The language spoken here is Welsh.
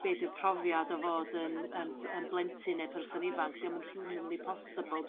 be' 'di'r profiad o fod yn yn b- yn blentyn ne' person ifan 'di o'm yn humanly possible